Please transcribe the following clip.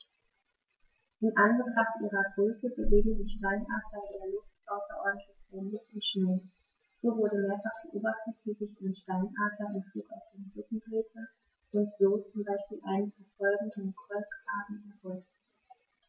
In Anbetracht ihrer Größe bewegen sich Steinadler in der Luft außerordentlich wendig und schnell, so wurde mehrfach beobachtet, wie sich ein Steinadler im Flug auf den Rücken drehte und so zum Beispiel einen verfolgenden Kolkraben erbeutete.